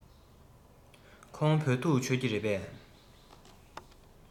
ཁོང བོད ཐུག མཆོད ཀྱི རེད པས